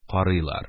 Карыйлар.